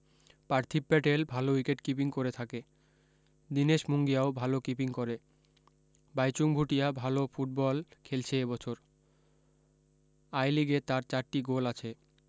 পার্থিব প্যাটেল ভালো wicket keeping করে থাকে দিনেশ মুঙ্গিয়াও ভালো কিপিং করে বাইচুং ভুটিয়া ভালো ফুট বল খেলছে এবছর আই লিগে তার চারটি গোল আছে